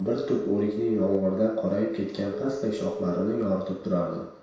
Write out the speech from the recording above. bir tup o'rikning yomg'irdan qorayib ketgan pastak shoxlarini yoritib turardi